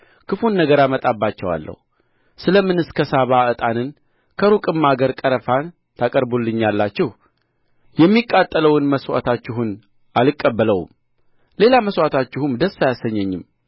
ክፉን ነገር አመጣባቸዋለሁ ስለ ምንስ ከሳባ ዕጣንን ከሩቅም አገር ቀረፋን ታቀርቡልኛላችሁ የሚቃጠለውን መሥዋዕታችሁን አልቀበለውም ሌላ መሥዋዕታችሁም ደስ አያሰኘኝም